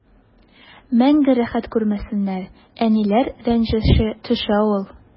Мәңге рәхәт күрмәсеннәр, әниләр рәнҗеше төшә ул.